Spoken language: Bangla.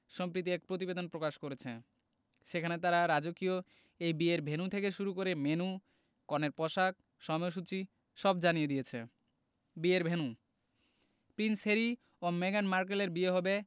সম্প্রিতি এক প্রতিবেদন প্রকাশ করেছে সেখানে তারা রাজকীয় এই বিয়ের ভেন্যু থেকে শুরু করে মেন্যু কনের পোশাক সময়সূচী সব জানিয়ে দিয়েছে বিয়ের ভেন্যু প্রিন্স হ্যারি ও মেগান মার্কেলের বিয়ে হবে